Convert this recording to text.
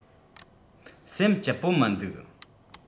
སེམས སྐྱིད པོ མི འདུག